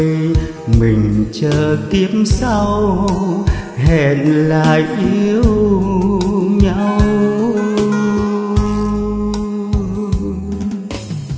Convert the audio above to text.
mình chờ kiếp sau hẹn lại yêu nhau